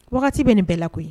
Wagati bɛ nin bɛɛ la koyi